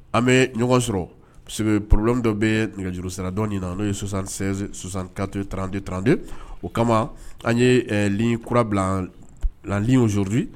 An bɛ ɲɔgɔn sɔrɔ porolen dɔ bɛ nɛgɛjuru sira dɔn in na n'o yesansankateranterante o kama an ye kura lali soururi